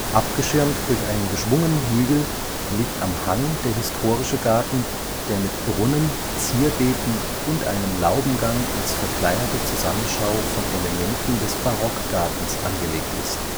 Abgeschirmt durch einen geschwungenen Hügel liegt am Hang der historische Garten, der mit Brunnen, Zierbeeten und einem Laubengang als verkleinerte Zusammenschau von Elementen des Barockgartens angelegt ist